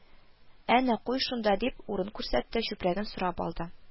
– әнә куй шунда, – дип, урын күрсәтте, чүпрәген сорап алды